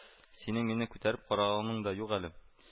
– синең мине күтәреп караганың да юк әле